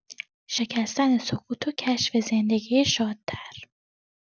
شکستن سکوت و کشف زندگی شادتر